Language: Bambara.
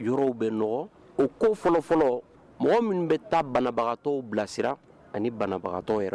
Yɔrɔw bɛɔgɔn o ko fɔlɔfɔlɔ mɔgɔ minnu bɛ taa banabagatɔw bilasira ani banabagatɔ yɛrɛ